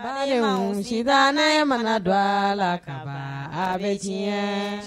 Miniyantan ne mana dɔ la ka ba bɛ diɲɛ